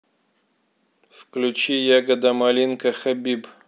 включи ягода малинка хабиб